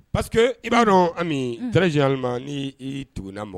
Parce que i b'a dɔn t ma ni tugu' bɔ